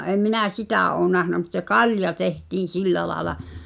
en minä sitä ole nähnyt mutta se kalja tehtiin sillä lailla